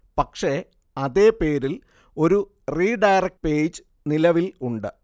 പക്ഷെ അതേ പേരിൽ ഒരു റീഡയറക്ട് പേജ് നിലവിൽ ഉണ്ട്